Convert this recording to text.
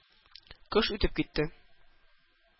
Кыш үтеп китте.